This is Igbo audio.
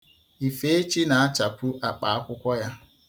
Ifechi na-achapu akpa akwụkwọ ya.